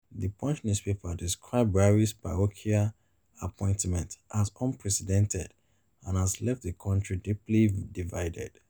The Punch newspaper described Buhari’s "parochial appointments" as "unprecedented" and has left the country deeply divided.